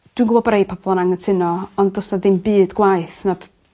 Dwi'n gwbo bo' rei pobol yn anghytuno ond do's 'na dim byd gwaeth na p-